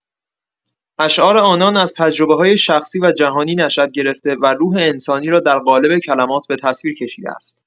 اشعار آنان از تجربه‌های شخصی و جهانی نشئت گرفته و روح انسانی را در قالب کلمات به تصویر کشیده است.